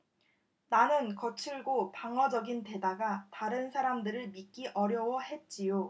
나는 거칠고 방어적인 데다가 다른 사람들을 믿기 어려워했지요